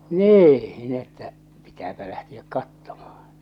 niin no että pitääpä lähteä katsomaan